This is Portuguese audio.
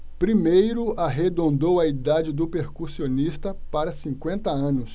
primeiro arredondou a idade do percussionista para cinquenta anos